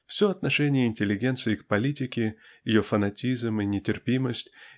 Все отношения интеллигенции к политике ее фанатизм и нетерпимость